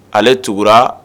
Ale tugura